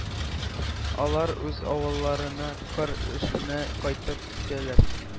Алар үз авылларына кыр эшенә кайтып китәләр.